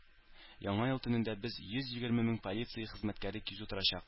Яңа ел төнендә без йөз егерме мең полиция хезмәткәре кизү торачак.